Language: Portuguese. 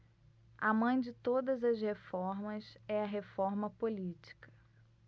a mãe de todas as reformas é a reforma política